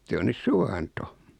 se on nyt suvanto